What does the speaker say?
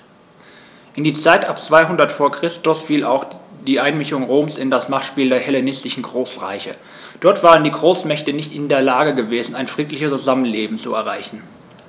In die Zeit ab 200 v. Chr. fiel auch die Einmischung Roms in das Machtspiel der hellenistischen Großreiche: Dort waren die Großmächte nicht in der Lage gewesen, ein friedliches Zusammenleben zu erreichen.